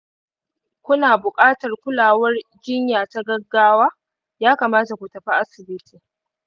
ku na buƙatar kulawar jinya ta gaggawa, ya kamata ku tafi asibiti